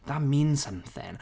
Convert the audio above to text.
That means something.